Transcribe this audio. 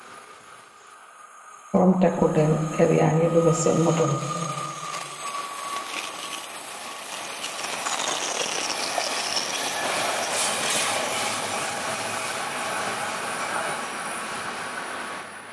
Borom taku daal, gayeey gegg dugaa ce kaw motor bi.